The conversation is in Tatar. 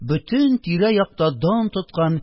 Бөтен тирә-якта дан тоткан